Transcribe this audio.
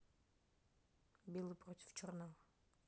белый против черного